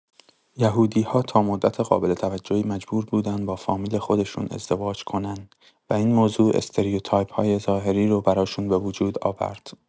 یهودی‌ها تا مدت قابل توجهی مجبور بودن با فامیل خودشون ازدواج کنن و این موضوع استریوتایپ‌های ظاهری رو براشون به وجود آورد.